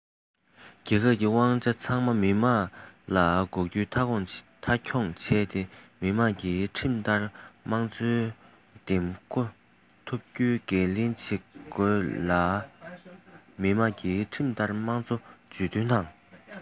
རྒྱལ ཁབ ཀྱི དབང ཆ ཚང མ མི དམངས ལ གཏོགས རྒྱུ མཐའ འཁྱོངས བྱས ནས མི དམངས ཀྱིས ཁྲིམས ལྟར དམངས གཙོ འདེམས བསྐོ ཐུབ རྒྱུའི འགན ལེན བྱེད དགོས ལ མི དམངས ཀྱིས ཁྲིམས ལྟར དམངས གཙོ ཇུས འདོན དང